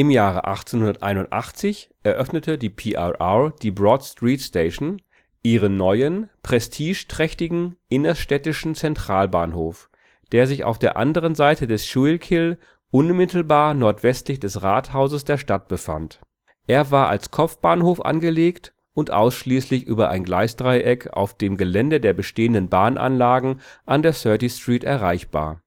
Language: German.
Jahre 1881 eröffnete die PRR die Broad Street Station, ihren neuen, prestigeträchtigen innerstädtischen Zentralbahnhof, der sich auf der anderen Seite des Schuylkill, unmittelbar nordwestlich des Rathauses der Stadt befand. Er war als Kopfbahnhof angelegt und ausschließlich über ein Gleisdreieck auf dem Gelände der bestehenden Bahnanlagen an der 30th Street erreichbar